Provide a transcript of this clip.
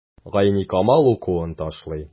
Гайникамал укуын ташлый.